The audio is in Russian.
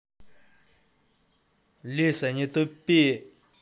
алиса не тупи